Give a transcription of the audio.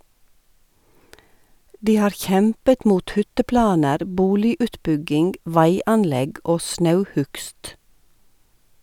De har kjempet mot hytteplaner, boligutbygging, veianlegg og snauhugst.